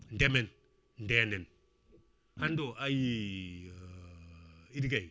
ndeemen ndenen hande o ayi Idy Gaye